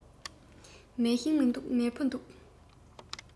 མེ ཤིང མི འདུག མེ ཕུ འདུག